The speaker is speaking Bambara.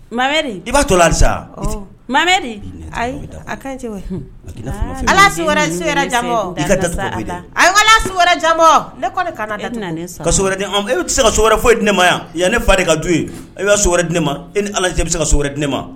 Mamari i'a tolasa mamari ayi a ala wɛrɛ e bɛ se ka so wɛrɛ foyi ne ma yan yan ne fa de ka du ye e wɛrɛ ne ma e ni ala bɛ se ka so wɛrɛ ne ma